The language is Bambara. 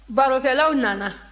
barokɛlaw nana